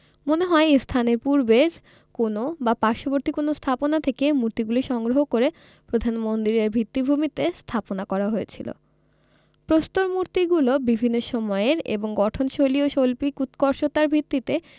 মনে হয় এ স্থানের পূর্বের কোন বা পার্শ্ববর্তী কোন স্থাপনা থেকে মূর্তিগুলি সংগ্রহ করে প্রধান মন্দিরের ভিত্তিভূমিতে স্থাপন করা হয়েছিল প্রস্তর মূর্তিগুলো বিভিন্ন সময়ের এবং গঠনশৈলী ও শৈল্পিক উৎকর্ষতার ভিত্তিতে